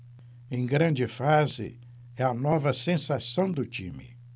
em grande fase é a nova sensação do time